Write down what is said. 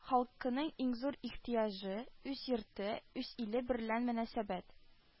Халкының иң зур ихтыяҗы: үз йорты, үз иле берлән мөнәсәбәт